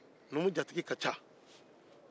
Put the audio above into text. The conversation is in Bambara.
numu jatigi ka ca